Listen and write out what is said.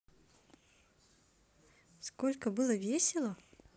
сколько было весело